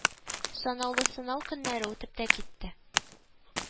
Санаулы сынау көннәре үтеп тә китте